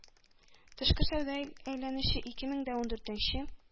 Тышкы сәүдә әйләнеше ике мең дә ундүртенче